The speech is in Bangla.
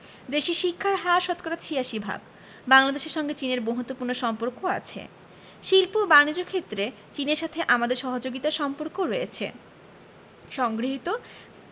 দেশটির শিক্ষার হার শতকরা ৮৬ ভাগ বাংলাদেশের সঙ্গে চীনের বন্ধুত্বপূর্ণ সম্পর্ক আছে শিল্প ও বানিজ্য ক্ষেত্রে চীনের সাথে আমাদের সহযোগিতার সম্পর্কও রয়েছে সংগৃহীত